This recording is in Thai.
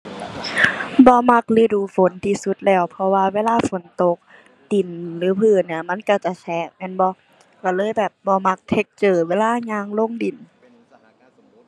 บ่มักฤดูฝนที่สุดแล้ว เพราะว่าเวลาฝนตกดินหรือพื้นน่ะมันก็จะแฉะแม่นบ่ ก็เลยแบบบ่มัก texture เวลาย่างลงดิน